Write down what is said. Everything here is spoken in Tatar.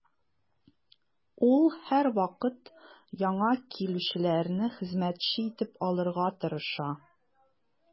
Ул һәрвакыт яңа килүчеләрне хезмәтче итеп алырга тырыша.